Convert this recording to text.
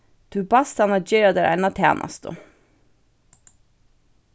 tú baðst hana gera tær eina tænastu